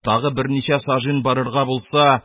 Тагы берничә сажень барырга булса,